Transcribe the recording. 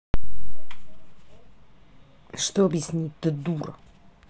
что объяснить ты дура